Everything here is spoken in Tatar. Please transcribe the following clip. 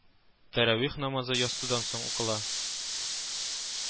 Тәравих намазы ястүдән соң укыла